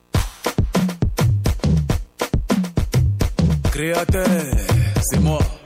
Créateur c'est moi